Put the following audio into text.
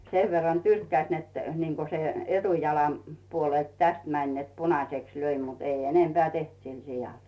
sen verran tyrkkäsi että niin kuin se etujalan puolelta tästä meni että punaiseksi löi mutta ei enempää tehnyt sille sialle